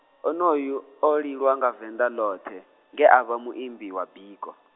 onoyu, o lilwa nga Venḓa ḽoṱhe, nge avha muimbi wa biko.